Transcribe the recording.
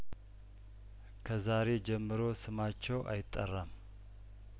ከዛሬ ጀምሮ ስማቸው አይጠራም